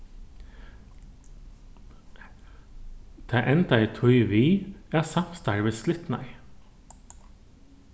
tað endaði tí við at samstarvið slitnaði